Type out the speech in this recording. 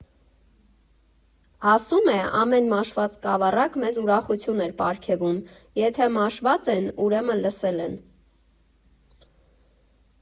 Ասում է՝ ամեն մաշված սկավառակ մեզ ուրախություն էր պարգևում՝ եթե մաշված են, ուրեմն լսել են։